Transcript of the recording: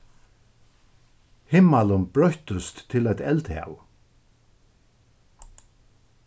himmalin broyttist til eitt eldhav